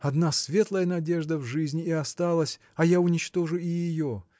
Одна светлая надежда в жизни и осталась, а я уничтожу и ее?